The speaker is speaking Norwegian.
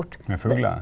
med fugler?